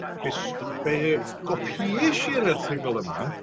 nes fe gopiesh i'r erthygl yma